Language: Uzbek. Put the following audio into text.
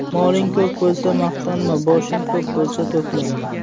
moling ko'p bo'lsa maqtanma boshing ko'p bo'lsa to'planma